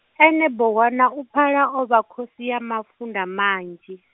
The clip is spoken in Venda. ene Bohwana u pfala o vha khosi ya mafunda manzhi s-.